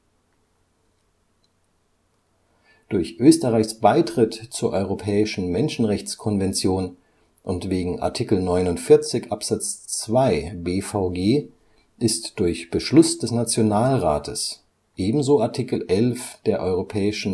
Durch Österreichs Beitritt zur Europäischen Menschenrechtskonvention und wegen Art. 49 Abs. 2 B-VG ist durch Beschluss des Nationalrates ebenso Art. 11 der EMRK